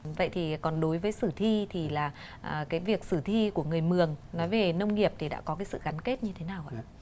vậy thì còn đối với sử thi thì là à à cái việc sử thi của người mường nói về nông nghiệp thì đã có sự gắn kết như thế nào ạ